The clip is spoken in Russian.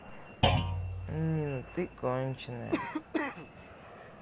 нина ты конченная